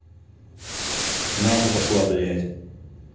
нахуй пошла блять